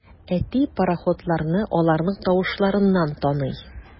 Әти пароходларны аларның тавышларыннан таный.